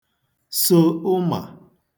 so ụmà